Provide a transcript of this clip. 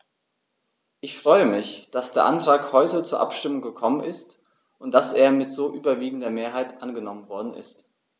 Ich freue mich, dass der Antrag heute zur Abstimmung gekommen ist und dass er mit so überwiegender Mehrheit angenommen worden ist.